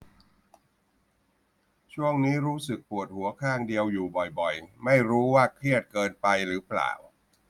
ช่วงนี้รู้สึกปวดหัวข้างเดียวอยู่บ่อยบ่อยไม่รู้ว่าเครียดเกินไปหรือเปล่า